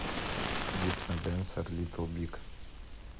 гипно денсер литл биг